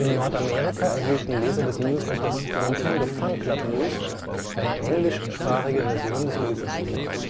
Nordamerika erhielten Leser des Newsletters Nintendo Fun Club News eine englischsprachige Version dieses Lösungsbuches